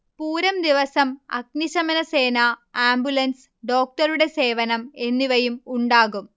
പൂരം ദിവസം അഗ്നിശമനസേന, ആംബുലൻസ്, ഡോക്ടറുടെ സേവനം എന്നിവയും ഉണ്ടാകും